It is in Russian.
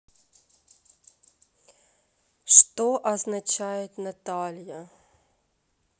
что означает наталья